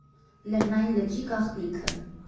Լեռնային լճի գաղտնիքը։